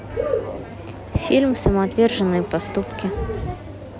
фильм самоотверженные поступки